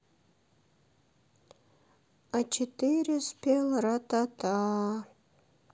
а четыре спел ратата